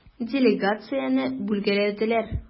Делегацияне бүлгәләделәр.